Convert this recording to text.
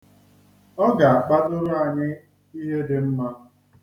Ọ ga-akpadoro anyị ihe dị mma.